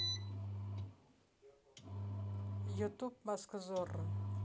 ютуб маска зорро